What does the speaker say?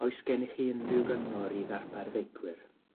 oes gennych chi unrhyw gyngor i ddarpar feicwyr?